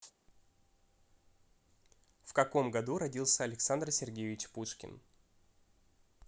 в каком году родился александр сергеевич пушкин